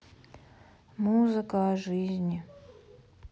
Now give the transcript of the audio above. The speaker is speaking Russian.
музыка о жизни